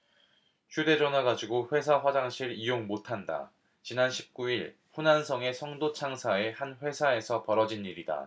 휴대전화 가지고 회사 화장실 이용 못한다 지난 십 구 일 후난성의 성도 창사의 한 회사에서 벌어진 일이다